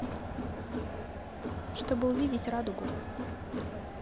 чтобы увидеть радугу